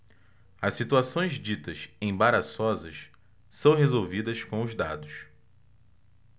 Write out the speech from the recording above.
as situações ditas embaraçosas são resolvidas com os dados